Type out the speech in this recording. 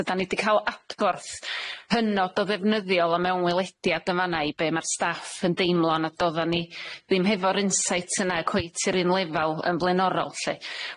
a 'dan ni 'di ca'l adborth hynod o ddefnyddiol o mewnwelediad yn fan 'na i be' ma'r staff yn deimlo nad oddan ni ddim hefo'r insight yna cweit i'r un lefal yn blaenorol 'lly.